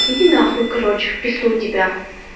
иди нахуй короче в пизду тебя